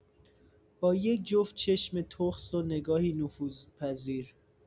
با یک جفت چشم تخس و نگاهی نفوذپذیر.